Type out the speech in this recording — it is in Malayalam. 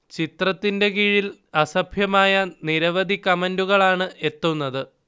ചിത്രത്തിന്റെ കീഴിൽ അസഭ്യമായ നിരവധി കമന്റുകളാണ് എത്തുന്നത്